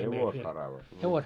hevosharavat no